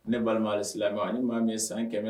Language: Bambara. Ne balimaali sila ma ni maa min ye san kɛmɛ